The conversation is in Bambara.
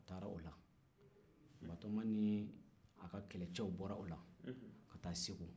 a taar'o la batoma n'a ka kɛlɛcɛw bɔr'o la ka taa segu